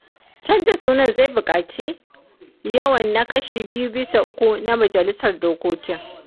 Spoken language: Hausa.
Canza sunan zai buƙaci wan yawa na kashi biyu bisa uku na majalisar dokokin.